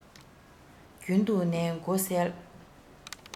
རྒྱུན དུ ནས གོ གསལ